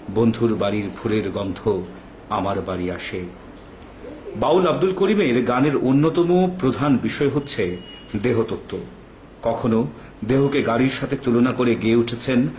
বন্ধুর বাড়ির ফুলের গন্ধ আমার বাড়ি আসে বাউল আব্দুল করিমের গানের অন্যতম প্রধান বিষয় হচ্ছে দেহতত্ত্ব কখনো দেহকে গাড়ির সাথে তুলনা করে গেয়ে উঠেছেন